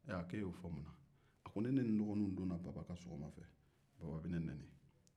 a ko e y'o fɔ munna ni ne ni n dɔgɔnin donna baba ka so kɔnɔ baba bɛ ne nɛni